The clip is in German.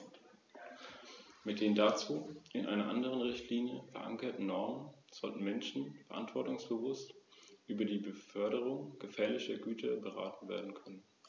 Ein Nichttätigwerden der Europäischen Union würde die Mitgliedstaten verpflichten, ihre innerstaatlichen Rechtsvorschriften für einen kurzen Zeitraum, nämlich bis zum Abschluss der Arbeiten des CEN, zu ändern, was unnötige Kosten und Verunsicherungen verursacht.